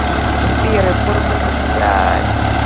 сбер я скоро пойду гулять